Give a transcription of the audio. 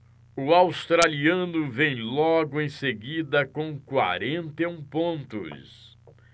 o australiano vem logo em seguida com quarenta e um pontos